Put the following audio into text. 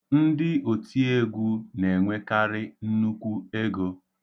Ndị otiegwu na-enwekarị nnukwu ego.